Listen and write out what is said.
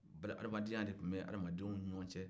o bɛɛ la adamadenya de tun bɛ adamadenw ni ɲɔgɔn cɛ